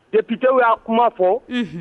Cɛ ptew y'a kuma fɔ